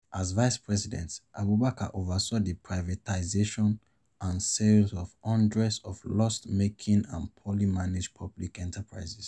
As vice president, Abubakar oversaw the privatization and sale of hundreds of loss-making and poorly managed public enterprises.